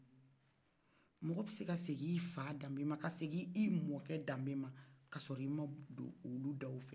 mɔgɔ be se ka segin i fa dambe ma ka segin i mɔgɔ dambe ma ka sɔrɔ i ma do olu daw fɛ